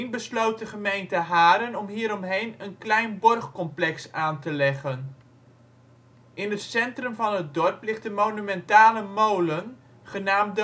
besloot de gemeente Haren om hieromheen een klein ' borgcomplex ' aan te leggen. In het centrum van het dorp ligt de monumentale molen genaamd